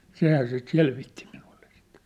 sehän sitä selvitti minulle sitten